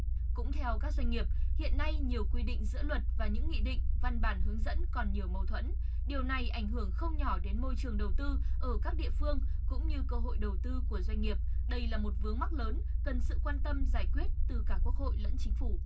cũng theo các doanh nghiệp hiện nay nhiều quy định giữa luật và những nghị định văn bản hướng dẫn còn nhiều mâu thuẫn điều này ảnh hưởng không nhỏ đến môi trường đầu tư ở các địa phương cũng như cơ hội đầu tư của doanh nghiệp đây là một vướng mắc lớn cần sự quan tâm giải quyết từ cả quốc hội lẫn chính phủ